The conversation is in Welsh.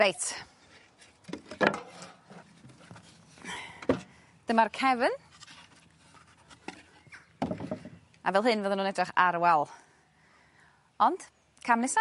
Reit. Dyma'r cefn, a fel hyn fyddan nw'n edrych ar y wal. Ond, cam nesa?